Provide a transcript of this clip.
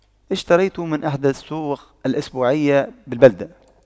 اشتريت من إحدى السوق الأسبوعية بالبلدة